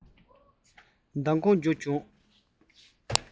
ཁ སང རང འབྱོར བྱུང